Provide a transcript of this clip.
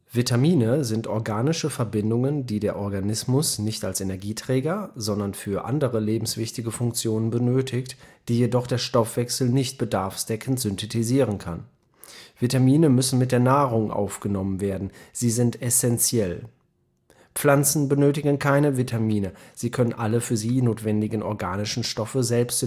Vitamine sind organische Verbindungen, die der Organismus nicht als Energieträger, sondern für andere lebenswichtige Funktionen benötigt, die jedoch der Stoffwechsel nicht bedarfsdeckend synthetisieren kann. Vitamine müssen mit der Nahrung aufgenommen werden, sie sind essenziell. Pflanzen benötigen keine Vitamine, sie können alle für sie notwendigen organischen Stoffe selbst